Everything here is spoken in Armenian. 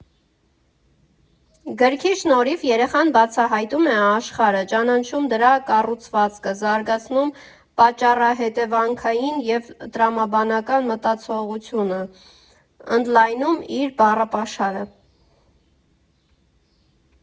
Գրքի շնորհիվ երեխան բացահայտում է աշխարհը, ճանաչում դրա կառուցվածքը, զարգացնում պատճառահետևանքային և տրամաբանական մտածողությունը, ընդլայնում իր բառապաշարը։